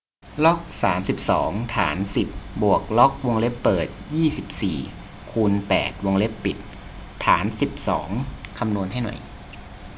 ล็อกสามสิบสองฐานสิบบวกล็อกวงเล็บเปิดยี่สิบสี่คูณแปดวงเล็บปิดฐานสิบสองคำนวณให้หน่อย